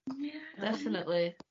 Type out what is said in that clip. Mm ia. Definately.